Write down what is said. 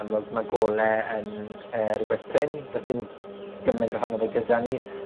amlwg ma' gole yn yy rwbeth prin. Do's dim gymaint ohono fe gyda ni.